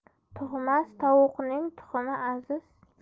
tug'mas tovuqning tuxumi aziz